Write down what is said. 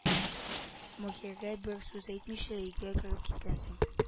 Маһирәгә бер сүз әйтмичә өйгә кереп киткәнсең